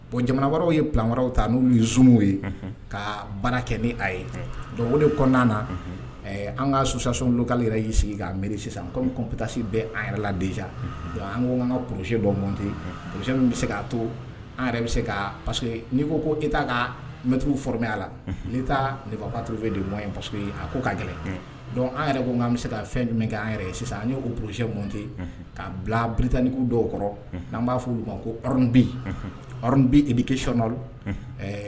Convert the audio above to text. Bon jamanaraww ye wɛrɛraw ta n'u ye zunw ye ka baara kɛ ni a ye kɔnɔna na an ka sutikaale yɛrɛ y'i sigi mi kɔmipsi an yɛrɛ la dez an ko ka psi bɔ mɔnte min bɛ se k'a to an yɛrɛ bɛ se ka n'i ko ko e' ka mɛt foromɛya la n taabagabaurufe de mɔn a ko k'a gɛlɛn dɔn an yɛrɛ ko n'an bɛ se ka fɛn jumɛn kɛ an yɛrɛ ye sisan' psi mɔnte' bila biani dɔw kɔrɔ'an b'a f' olu ma ko bɛ bɛ e bɛ keyɔn nɔ